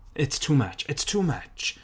It's too much. It's too much.